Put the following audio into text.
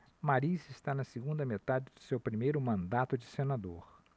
mariz está na segunda metade do seu primeiro mandato de senador